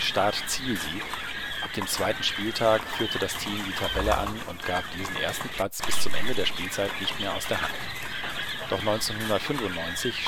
Start-Ziel-Sieg, ab dem zweiten Spieltag führte das Team die Tabelle an und gab diesen ersten Platz bis zum Ende der Spielzeit nicht mehr aus der Hand. Doch 1995